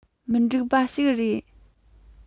མི འགྲིག པ ཞིག རེད